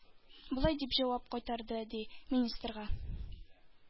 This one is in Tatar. Болай дип җавап кайтарды, ди, министрга: